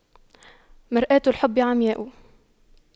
مرآة الحب عمياء